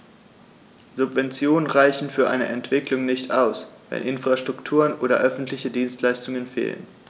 Subventionen reichen für eine Entwicklung nicht aus, wenn Infrastrukturen oder öffentliche Dienstleistungen fehlen.